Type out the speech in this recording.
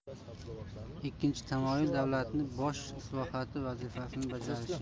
ikkinchi tamoyil davlatning bosh islohotchi vazifasini bajarishi